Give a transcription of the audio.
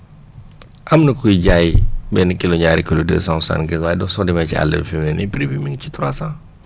am na kuy jaay benn kilo ñaari kilo deux cent soixante quinze waaye doo soo demee ci àll bi fi mu ne nii prix bi mu ngi ci trois cent